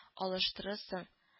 Алыштырырсың